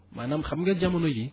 maanaam xam nga jamono jii